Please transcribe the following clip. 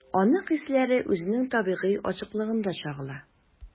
Аның хисләре үзенең табигый ачыклыгында чагыла.